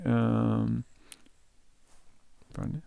Ferdig.